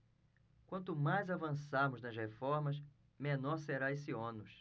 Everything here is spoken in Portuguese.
quanto mais avançarmos nas reformas menor será esse ônus